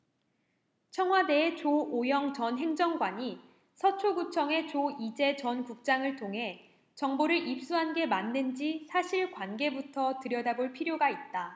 청와대의 조오영 전 행정관이 서초구청의 조이제 전 국장을 통해 정보를 입수한 게 맞는지 사실관계부터 들여다볼 필요가 있다